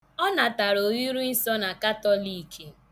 Ọ natara oriri nsọ na katọliiki